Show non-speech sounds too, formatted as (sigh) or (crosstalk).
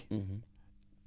(hesitation) (hesitation)